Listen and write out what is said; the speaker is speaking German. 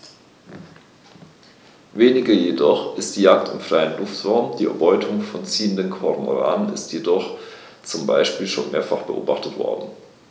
Weniger häufig ist die Jagd im freien Luftraum; die Erbeutung von ziehenden Kormoranen ist jedoch zum Beispiel schon mehrfach beobachtet worden.